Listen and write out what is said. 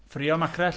Ffrio macrell?